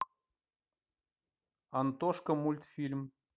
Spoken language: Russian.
антошка мультфильм